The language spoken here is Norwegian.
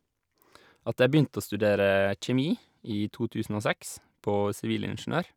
At jeg begynte å studere kjemi i to tusen og seks, på sivilingeniør.